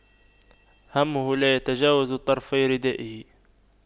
همه لا يتجاوز طرفي ردائه